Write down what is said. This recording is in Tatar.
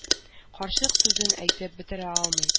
Карчык сүзен әйтеп бетерә алмый.